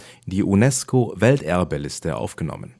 die UNESCO-Welterbe-Liste aufgenommen